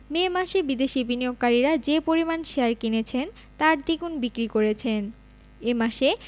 মে মাসে বিদেশি বিনিয়োগকারীরা যে পরিমাণ শেয়ার কিনেছেন তার দ্বিগুণ বিক্রি করেছেন এ মাসে